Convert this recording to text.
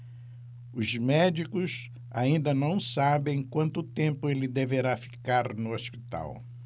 os médicos ainda não sabem quanto tempo ele deverá ficar no hospital